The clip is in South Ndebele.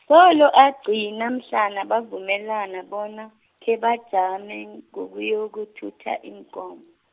solo agcina mhlana bavumelana bona, khebajame ngokuyokuthutha iinkomo.